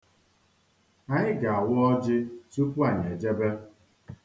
Anyị ga-awa ọjị tupu anyị ejebe.